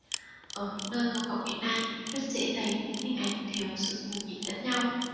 ở những nơi công cộng hiện nay rất dễ thấy những hình ảnh thiếu sự nhường nhịn lẫn nhau